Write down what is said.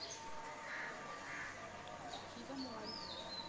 hidden life